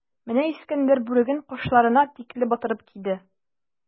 Менә Искәндәр бүреген кашларына тикле батырып киде.